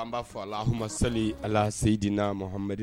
An b'a fɔ